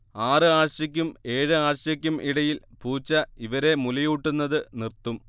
ആറ് ആഴ്ചയ്ക്കും ഏഴ് ആഴ്ചയ്ക്കും ഇടയിൽ പൂച്ച ഇവരെ മുലയൂട്ടുന്നത് നിർത്തും